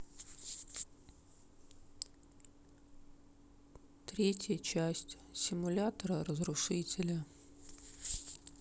третья часть симулятора разрушителя